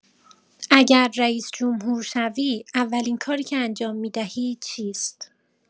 اگر رئیس‌جمهور شوی اولین کاری که انجام می‌دهی چیست؟